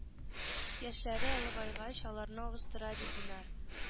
Яшьләре олыгайгач аларны алыштыра ди динар